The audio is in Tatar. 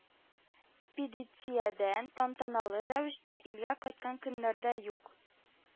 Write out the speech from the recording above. Педициядән тантаналы рәвештә илгә кайткан көннәрдә юк